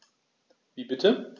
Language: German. Wie bitte?